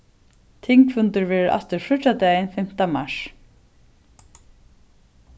tingfundur verður aftur fríggjadagin fimta mars